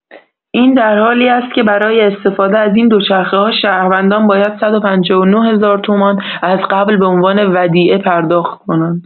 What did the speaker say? این در حالی است که برای استفاده از این دوچرخه‌ها شهروندان باید ۱۵۹ هزار تومان از قبل به عنوان ودیعه پرداخت کنند.